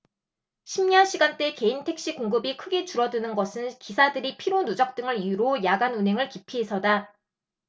심야시간대 개인택시 공급이 크게 줄어드는 것은 기사들이 피로 누적 등을 이유로 야간 운행을 기피해서다